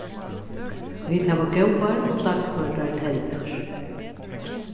vit hava góðar og dagførdar teldur